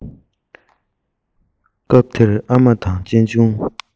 སྐབས དེར ཨ མ དང གཅེན གཅུང